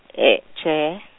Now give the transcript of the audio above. tjee.